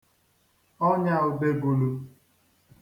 ọnya ùdegūlū